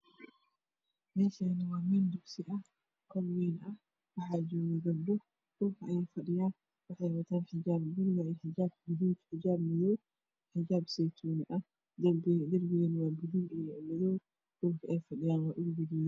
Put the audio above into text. Meshani waa meel dugsi ah hol wayn ah waxaa jooga gabdho dhulka ayeey fadhiyan wexey watan xijab buluga iyo xijab madow xijab seytuni ah derbiga waa bulug iyo madow dhulka ey fadhiyana waa dhul gaduudan